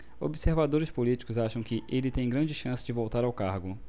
observadores políticos acham que ele tem grandes chances de voltar ao cargo